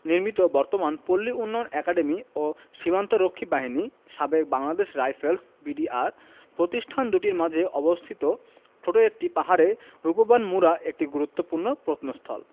নির্মিত বর্তমান পল্লী উন্নয়ন অ্যাকাডেমি ও সীমান্ত রক্ষী বাহিনী সাবেক বাংলাদেশ রাইফেলস বি.ডি.আর প্রতিষ্ঠান দুটির মাঝে অবস্থিত ছোট একটি পাহাড়ে রূপবান মুড়া একটি গুরুত্বপূর্ণ প্রত্নস্থল